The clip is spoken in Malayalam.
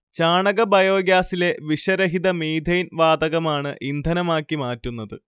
ചാണക ബയോഗ്യാസിലെ വിഷരഹിത മീഥെയ്ൻ വാതകമാണ് ഇന്ധനമാക്കി മാറ്റുന്നത്